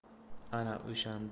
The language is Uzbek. ana o'shanda olloyi